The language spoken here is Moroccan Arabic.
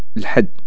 لحد